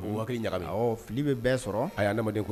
Waati bɛ bɛ sɔrɔ a yedama